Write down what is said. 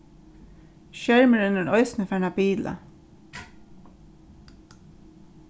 skermurin er eisini farin at bila